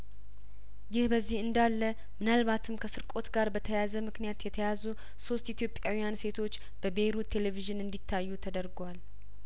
ይህ በዚህ እንዳለ ምናልባትም ከስርቆት ጋር በተያያዘ ምክንያት የተያዙ ሶስት ኢትዮጵያውያን ሴቶች በቤይሩት ቴሌቪዥን እንዲታዩ ተደርጓል